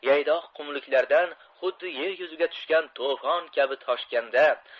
yaydoq qumliklardan xuddi yer yuziga tushgan to'fon kabi toshganda